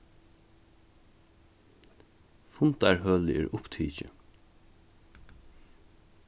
fundarhølið er upptikið